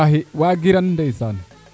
walahi waagiran ndeysaan